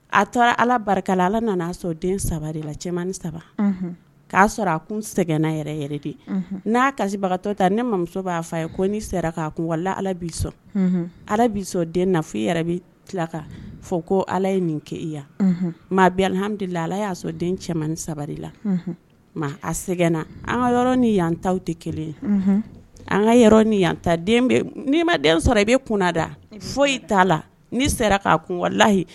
A tora ala barika ala nana' sɔrɔ den sabali la cɛman saba k'a sɔrɔ a kun sɛgɛnna yɛrɛ de n'a kasibagatɔ ta ne ma muso b'a fɔ a ye ko n sera k'a kunla ala'i sɔn ala b'i sɔn den na fo i yɛrɛ bɛ tila kan fo ko ala ye nin kɛ i yan maa bɛhamidula ala y'a sɔrɔ den cɛman sabari la a sɛgɛnna an ka yɔrɔ ni yan ta tɛ kelen an ka ni yan ta n'i ma den sɔrɔ i bɛ kunda fo i t'a la ni sera k'a kunwalayi